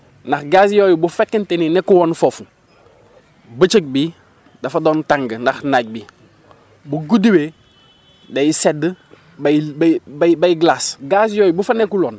ndax gaz yooyu bu fekkente ni nekkul woon foofu bëccëg bi dafa doon tàng ndax naaj bi bu guddi wee day sedd bay bay bay glace gaz yooyu bu fa nekkul woon